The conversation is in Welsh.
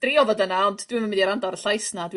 drio fod yna ond dwi'm yn mynd i rando ar y llais 'na dwi